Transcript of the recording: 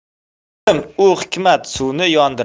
ilm u hikmat suvni yondirar